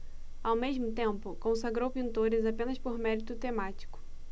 ao mesmo tempo consagrou pintores apenas por mérito temático